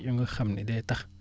yu nga xam ne day tax